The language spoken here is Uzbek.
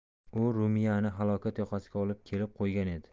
u ruminiyani halokat yoqasiga olib kelib qo'ygan edi